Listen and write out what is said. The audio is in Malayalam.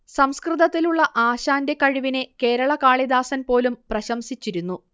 സംസ്കൃതത്തിലുള്ള ആശാന്റെ കഴിവിനെ കേരള കാളിദാസൻ പോലും പ്രശംസിച്ചിരുന്നു